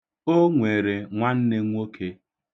O nwere nwanne nwoke.